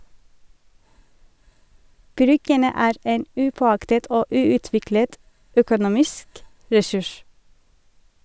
Bryggene er en upåaktet og uutviklet økonomisk ressurs.